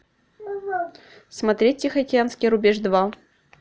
смотреть тихоокеанский рубеж два